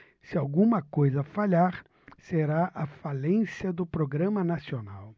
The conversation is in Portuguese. se alguma coisa falhar será a falência do programa nacional